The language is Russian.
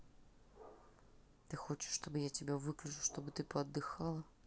ты хочешь чтобы я тебя выключу чтобы ты поотдыхала